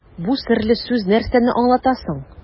Бу серле сүз нәрсәне аңлата соң?